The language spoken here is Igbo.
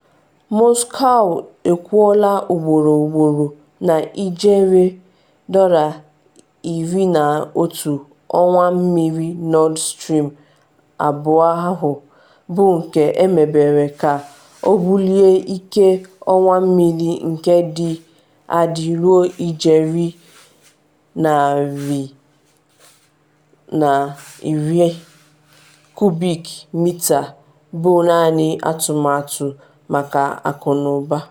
Moscow ekwuola ugboro ugboro na ijeri $11 ọwa mmiri Nord Stream 2 ahụ, bụ nke emebere ka o bulie ike ọwa mmiri nke dị adị ruo ijeri 110 kubik mita, bụ naanị atụmatụ maka akụnụba.